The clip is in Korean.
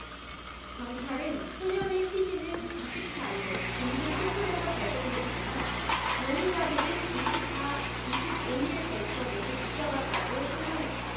경찰은 소년의 시신은 이십 사 일 인근 수풀에서 발견됐으며 용의자들을 이십 사 이십 오 일에 걸쳐 모두 붙잡았다고 설명했다